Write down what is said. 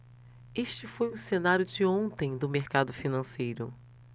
este foi o cenário de ontem do mercado financeiro